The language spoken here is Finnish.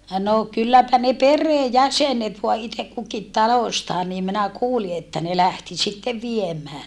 no kylläpä ne perheen jäsenet vain itse kukin talostaan niin minä kuulin että ne lähti sitten viemään